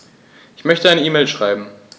Ich möchte eine E-Mail schreiben.